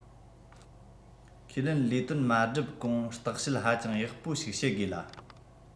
ཁས ལེན ལས དོན མ བསྒྲུབས གོང བརྟག དཔྱད ཧ ཅང ཡག པོ ཞིག བྱེད དགོས ལ